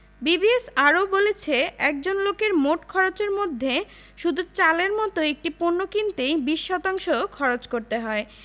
BBS আরও বলছে একজন লোকের মোট খরচের মধ্যে শুধু চালের মতো একটি পণ্য কিনতেই ২০ শতাংশ খরচ করতে হয়